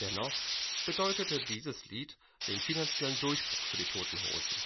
Dennoch bedeutete dieses Lied den finanziellen Durchbruch für die Toten Hosen.